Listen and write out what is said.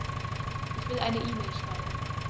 Ich will eine E-Mail schreiben.